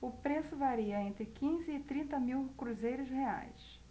o preço varia entre quinze e trinta mil cruzeiros reais